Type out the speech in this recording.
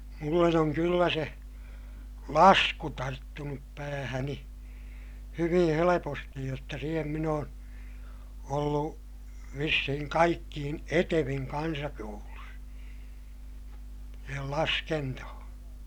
minulle on kyllä se lasku tarttunut päähäni hyvin helposti jotta siihen minä olen ollut vissiin kaikkein etevin kansakoulussa siihen laskentoon